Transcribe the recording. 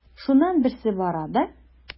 Шуннан берсе бара да:.